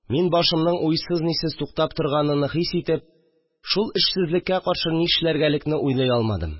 Мин башымның уйсыз-нисез туктап торганы хис итеп, шул эшсезлеккә каршы нишләргәлекне уйлый алмадым